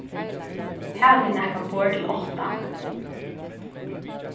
hava tit nakað borð til átta